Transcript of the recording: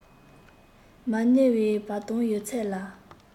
མ ནེའི བར གདོང ཡོད ཚད ལ